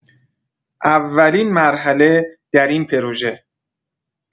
اولین مرحله در این پروژه